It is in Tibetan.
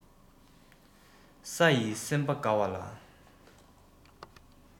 ས ཡིས སེམས པ དགའ བ ལ